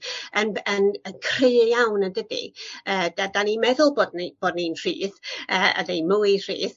yn by- yn yn cry iawn yndydi? Yy 'da- 'dan ni meddwl bod ni bod ni'n rhydd yy yy neu mwy rhydd